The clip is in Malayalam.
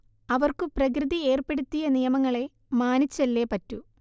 അവർക്കു പ്രകൃതി ഏർപ്പെടുത്തിയ നിയമങ്ങളെ മാനിച്ചല്ലേ പറ്റൂ